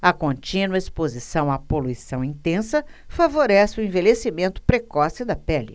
a contínua exposição à poluição intensa favorece o envelhecimento precoce da pele